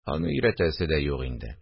Аны өйрәтәсе дә юк инде